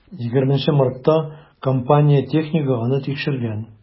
20 мартта компания технигы аны тикшергән.